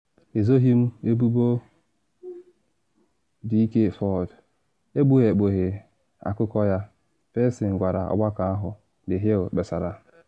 “Ezoghi m ebubo Dk. Ford, ekpughepughi akụkọ ya,” Feinstein gwara ọgbakọ ahụ, The Hill kpesara.